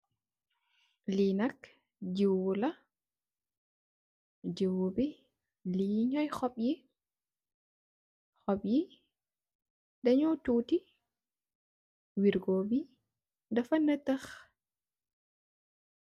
Li nak giwu la, giwu bi lii ñoy xop yi. Xop yi dañoo tutti wirgo bi dafa natax.